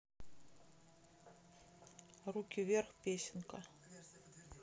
руки вверх песенка